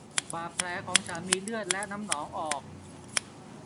บาดแผลของฉันมีเลือดและน้ำหนองออก